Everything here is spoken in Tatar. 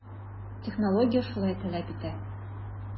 Технология шулай таләп итә.